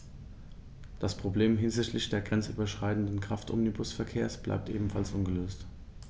Das Problem hinsichtlich des grenzüberschreitenden Kraftomnibusverkehrs bleibt ebenfalls ungelöst.